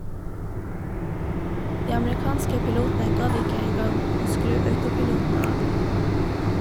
De amerikanske pilotene gadd ikke en gang å skru autopiloten av.